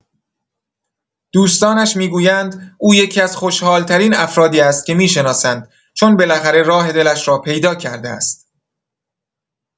دوستانش می‌گویند او یکی‌از خوشحال‌ترین افرادی است که می‌شناسند چون بالاخره راه دلش را پیدا کرده است.